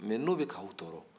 mɛ n'o bɛ k'aw tɔɔrɔ